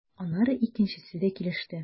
Аннары икенчесе дә килеште.